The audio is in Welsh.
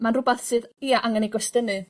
Ma'n rwbath sydd ia angen ei gwestynu.